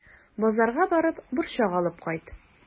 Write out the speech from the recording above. Базарга барып, борчак алып кайт.